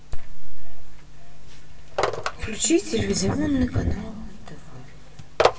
включи телевизионный канал нтв